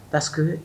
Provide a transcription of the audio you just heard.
parce que